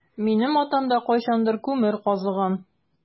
Минем атам да кайчандыр күмер казыган.